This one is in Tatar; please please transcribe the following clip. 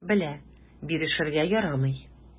Белә: бирешергә ярамый.